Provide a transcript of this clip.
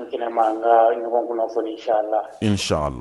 N ti na man ka ɲɔgɔn kunnafoni insala insala